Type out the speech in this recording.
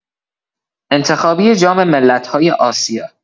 انتخابی جام ملت‌های آسیا